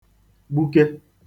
gbuke